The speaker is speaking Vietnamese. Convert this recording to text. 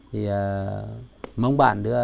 thì mong bạn đưa